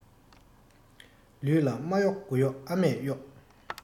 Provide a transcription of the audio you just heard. ལུས ལ མ གཡོགས དགུ གཡོགས ཨ མས གཡོགས